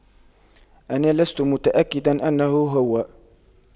أنا لست متأكدا أنه هو